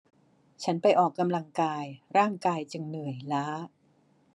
ฉันไปออกกำลังกายร่างกายจึงเหนื่อยล้า